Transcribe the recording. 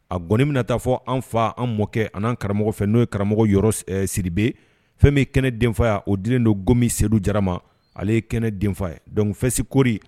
A gɔni bena taa fɔ anw fa anw mɔkɛ an'an karamɔgɔ fɛ n'o ye karamɔgɔ Yɔrɔ s ɛɛ Sidibe fɛn min ye kɛnɛ denfaya o dilen do Gomi Seydou Diarra ma ale ye kɛnɛ denfa ye donc Fest Kori